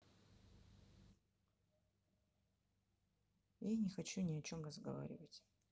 я не хочу ни о чем разговаривать